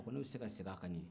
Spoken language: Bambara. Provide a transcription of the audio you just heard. a ko ne bɛ se ka segin a kan i ye